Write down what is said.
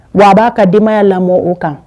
Wa a b'a ka denbaya lamɔ o kan.